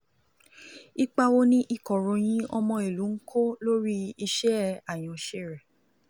Ipa wo ní ìkọ̀ròyìn ọmọ-ìlú ń kó lórí iṣẹ́ àyànṣe rẹ?